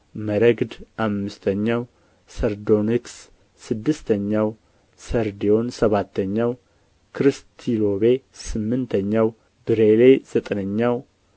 መረግድ አምስተኛው ሰርዶንክስ ስድስተኛው ሰርድዮን ሰባተኛው ክርስቲሎቤ ስምንተኛው ቢረሌ ዘጠነኛው